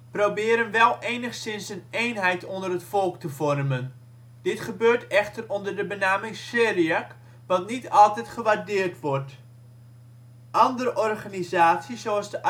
probeert wel enigszins een eenheid onder het volk te vormen. Dit gebeurt echter onder de benaming " Syriac ", wat niet altijd gewaardeerd wordt. Andere organisaties zoals de